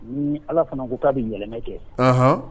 Nii Ala fana ko k'a be yɛlɛmɛ kɛ anhan